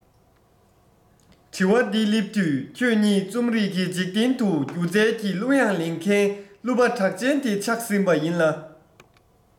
དྲི བ འདི སླེབས དུས ཁྱོད ཉིད རྩོམ རིག གི འཇིག རྟེན དུ སྒྱུ རྩལ གྱི གླུ དབྱངས ལེན མཁན གླུ པ གྲགས ཅན དེ ཆགས ཟིན པ ཡིན ལ